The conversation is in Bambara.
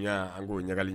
An ko ɲagali